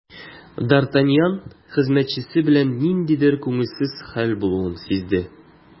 Д’Артаньян хезмәтчесе белән ниндидер күңелсез хәл булуын сизде.